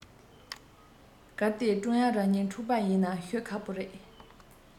གལ ཏེ ཀྲུང དབྱང རང གཉིད འཁྲུག པ ཡིན ན ཤོད ཁག པོ རེད